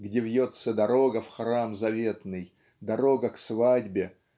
где вьется дорога в храм заветный дорога к свадьбе